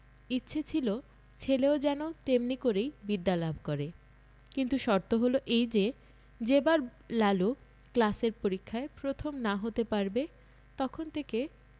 ইচ্ছে ছিল ছেলেও যেন তেমনি করেই বিদ্যা লাভ করে কিন্তু শর্ত হলো এই যে যে বার লালু ক্লাসের পরীক্ষায় প্রথম না হতে পারবে তখন থেকে